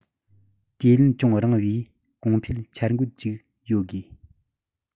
དུས ཡུན ཅུང རིང བའི གོང འཕེལ འཆར འགོད ཅིག ཡོད དགོས